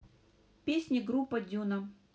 песни группы дюна